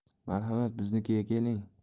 marhamat biznikiga keling